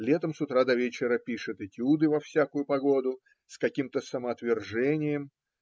летом с утра до вечера пишет этюды во всякую погоду, с каким-то самоотвержением